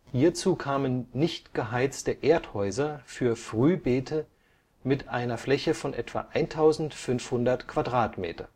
Hierzu kamen nichtgeheizte Erdhäuser für Frühbeete mit einer Fläche von etwa 1.500 m²